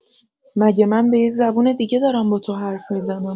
مگه من به یه زبون دیگه دارم با تو حرف می‌زنم؟